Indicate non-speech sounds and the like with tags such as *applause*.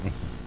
*hesitation* *hesitation*